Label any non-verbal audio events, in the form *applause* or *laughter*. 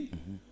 *hesitation* *hesitation*